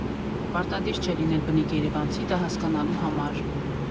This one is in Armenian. Պարտադիր չէ լինել բնիկ երևանցի դա հասկանալու համար։